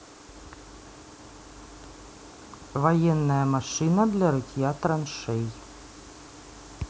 военная машина для рытья траншей